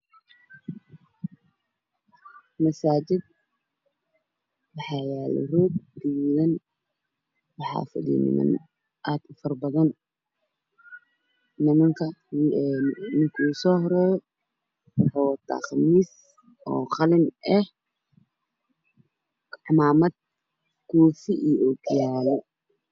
Waa masaajid waxaa yaalo roog gaduudan, waxaa fadhiyo niman aad u faro badan. Midka u soohoreeyo waxuu wataa qamiis qalin ah, cimaamad, koofi iyo ookiyaalo.